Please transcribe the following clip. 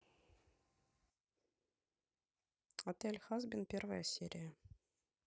отель хазбин первая серия